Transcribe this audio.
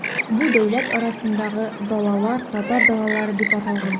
Бу дәүләт арасындагы далалар, татар далалары дип аталган.